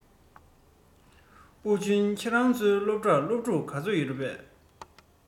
ཝུན ཅུན ཁྱོད རང ཚོའི སློབ གྲྭར སློབ ཕྲུག ག ཚོད ཡོད རེད